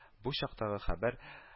Бу чактагы хәбәр